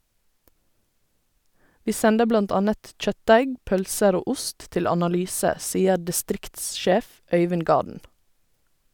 - Vi sender blant annet kjøttdeig, pølser og ost til analyse, sier distriktssjef Øivind Gaden.